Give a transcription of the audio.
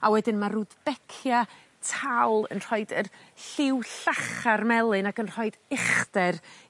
a wedyn ma' Rudbeckia tal yn rhoid yr lliw llachar melyn ac yn rhoid uchder